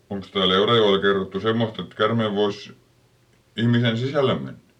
onkos täällä Eurajoella kerrottu semmoista että käärme voisi ihmisen sisälle mennä